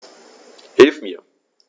Hilf mir!